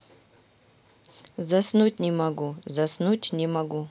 заснуть не могу заснуть не могу